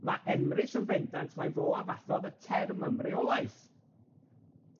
ma' Emrys yn bendant mai fo a fathodd y term ymreolaeth,